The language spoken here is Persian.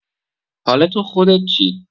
حالا تو خودت چی؟